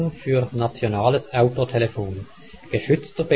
für Nationales Autotelefon; geschützter